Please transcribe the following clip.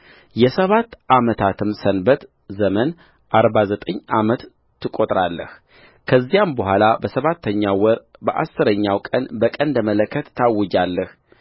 የሰባት ዓመታትም ሰንበት ዘመን አርባ ዘጠኝ ዓመት ትቈጥራለህከዚያም በኋላ በሰባተኛው ወር በአሥረኛው ቀን በቀንደ መለከት ታውጃለህ